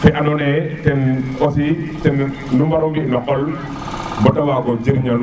urée fe ando na ye ten aussi nu mbaru fi na qol bata wago jir na nuun